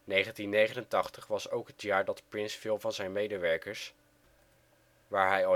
1989 was ook het jaar dat Prince veel van zijn medewerkers, waar